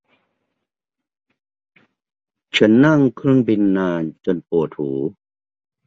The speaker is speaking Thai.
ฉันนั่งเครื่องบินนานจนปวดหู